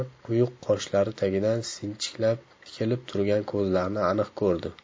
quyuq qoshlari tagidan sinchiklab tikilib turgan ko'zlarini aniq ko'rdi